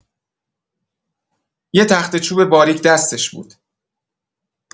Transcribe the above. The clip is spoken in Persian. یه تخته چوب باریک دستش بود.